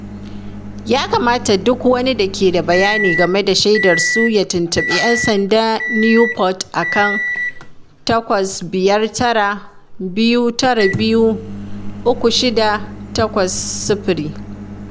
Ya kamata duk wani da ke da bayani game da shaidarsu ya tuntuɓi ‘yan sandan Newport a kan 859-292-3680.